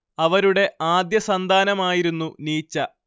അവരുടെ ആദ്യസന്താനമായിരുന്നു നീച്ച